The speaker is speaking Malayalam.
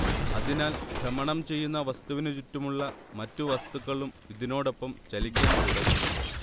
അതിനാൽ ഭ്രമണം ചെയ്യുന്ന വസ്തുവിനു ചുറ്റുമുള്ള മറ്റു വസ്തുക്കളും ഇതിനോടൊപ്പം ചലിക്കാൻ തുടങ്ങുന്നു